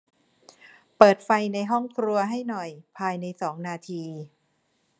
เปิดไฟในห้องครัวให้หน่อยภายในสองนาที